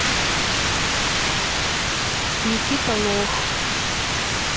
никита лох